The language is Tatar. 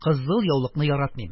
Кызыл яулыкны яратмыйм.